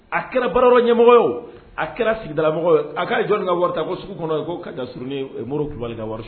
A kɛra baara ɲɛmɔgɔ ye a kɛra sigidamɔgɔ a k'a jɔnni ka wari ta ko sugu kɔnɔ ye ko ka surun ni murubali ka wari